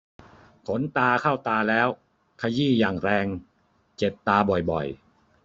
ขนตาเข้าตาแล้วขยี้อย่างแรงเจ็บตาบ่อยบ่อย